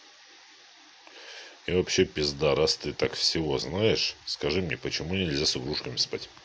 и вообще пизда раз ты так всего знаешь скажи мне почему нельзя с игрушками спать